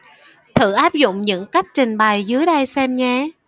thử áp dụng những cách trình bày dưới đây xem nhé